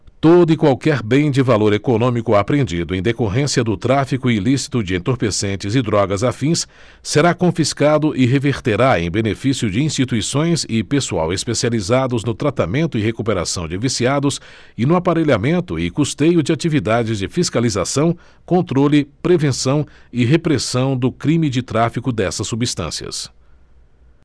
todo e qualquer bem de valor econômico apreendido em decorrência do tráfico ilícito de entorpecentes e drogas afins será confiscado e reverterá em benefício de instituições e pessoal especializados no tratamento e recuperação de viciados e no aparelhamento e custeio de atividades de fiscalização controle prevenção e repressão do crime de tráfico dessas substâncias